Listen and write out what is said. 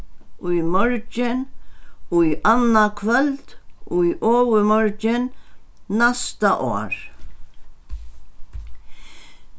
í morgin í annaðkvøld í ovurmorgin næsta ár